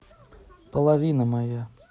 половина моя